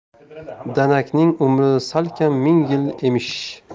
danakning umri salkam ming yil emish